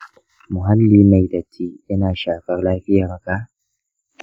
muhalli mai datti yana shafar lafiyarka?